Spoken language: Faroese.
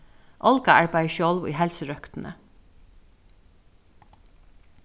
olga arbeiðir sjálv í heilsurøktini